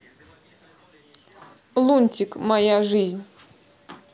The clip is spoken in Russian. лунтик моя жизнь